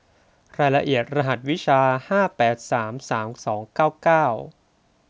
รายละเอียดรหัสวิชาห้าแปดสามสามสองเก้าเก้า